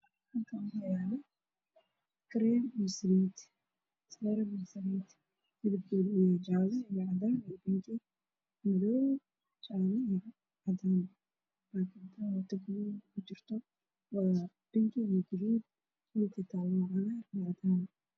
Waxaa ii muuqdo bac kartoon oo ku jiro cagado waa iyo dhalooyin ag yaalaan oo laba ah miis saaran